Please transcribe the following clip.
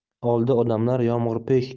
oldi odamlar yomg'irpo'sh